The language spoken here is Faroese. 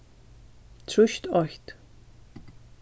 trýst eitt